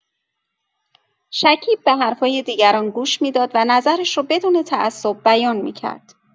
شکیب به حرفای دیگران گوش می‌داد و نظرش رو بدون تعصب بیان می‌کرد.